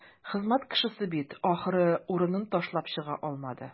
Хезмәт кешесе бит, ахры, урынын ташлап чыга алмады.